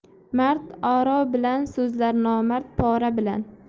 mard oro bilan so'zlar nomard pora bilan